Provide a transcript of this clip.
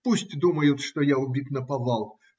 Пусть думают, что я убит наповал.